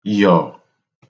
yọ̀